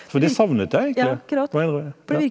for det savnet jeg egentlig, må jeg innrømme ja.